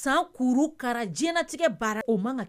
San kurukara diɲɛtigɛ baara o man kan